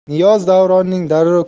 niyoz davronning darrov